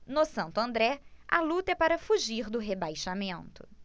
no santo andré a luta é para fugir do rebaixamento